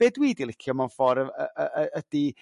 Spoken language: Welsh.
be dwi i di licio mewn ffor' ef- yrr yrr yrr ydy